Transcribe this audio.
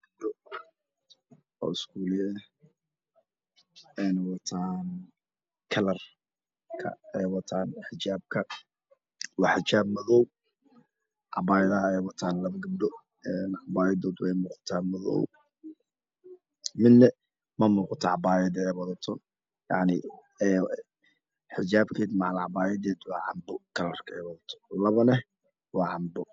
Gabdho oo schooley ah een wataan kalar kalarka ay wataana waa xijaabka waa xijaab madow cabaayadaha ay wataana labo gabdho cabayadood way muuqataa waa madow midna ma muuqato cabaayada ay wadato yacni xijaabkeed macalin cad kalarkeeda labane waa canbo